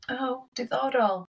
O, diddorol.